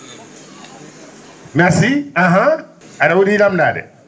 merci a?a hoo?i namdade